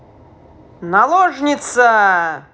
наложница